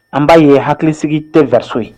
An b'a ye hakilisigi tɛfariso ye